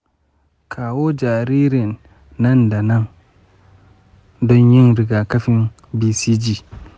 kawo jaririn nan da nan don yin rigakafin bcg.